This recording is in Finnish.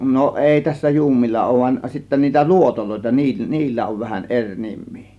no ei tässä juumoilla ole vaan sitten niitä luotoja niin niillä on vähän eri nimi